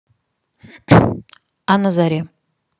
а на заре